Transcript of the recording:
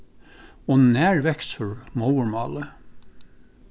og nær veksur móðurmálið